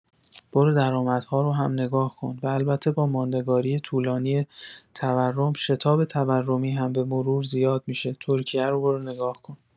برو درآمدهارو هم نگاه کن و البته با ماندگاری طولانی تورم شتاب تورمی هم به‌مرور زیاد می‌شه ترکیه رو برو نگاه کن